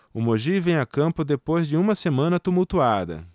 o mogi vem a campo depois de uma semana tumultuada